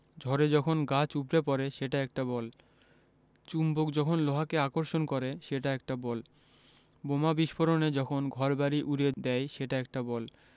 ঝড়ে যখন গাছ উপড়ে পড়ে সেটা একটা বল চুম্বক যখন লোহাকে আকর্ষণ করে সেটা একটা বল বোমা বিস্ফোরণে যখন ঘরবাড়ি উড়িয়ে দেয় সেটা একটা বল